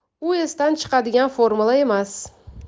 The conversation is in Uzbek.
u esdan chiqadigan formula emas